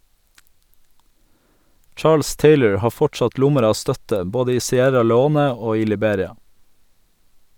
Charles Taylor har fortsatt lommer av støtte både i Sierra Leone og i Liberia.